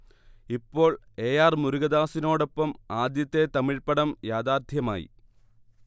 ഇപ്പോൾ ഏആർ മുരുഗദോസിനോടൊപ്പം ആദ്യത്തെ തമിഴ് പടം യാഥാർഥ്യമായി